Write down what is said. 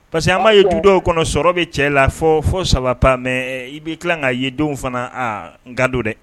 Parce que an b'a ye dudɔw kɔnɔ sɔrɔ bɛ cɛ la fɔ fɔ ça va pas mais i bɛ tila ka ye denw fana nga do dɛ